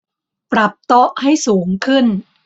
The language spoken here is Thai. ปรับโต๊ะให้สูงขึ้ง